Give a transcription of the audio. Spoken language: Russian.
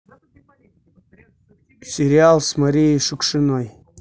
сериал с марией шукшиной